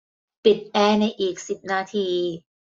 ปิดแอร์ในอีกสิบนาที